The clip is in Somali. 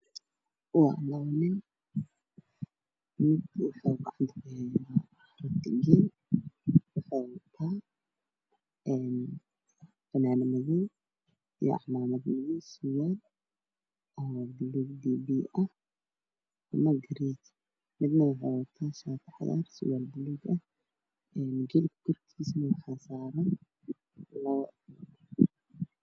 Waa labo nin ninka wuxuu gacanta ku hayaa jijin wuxuu wataa funaanad madow io cimaaamad yar surwaal ah baluug biyo biyo ah midna wuxuu wataa shaati cagaar surwaal baluug ah jijin korkiisa waxaa saaran labo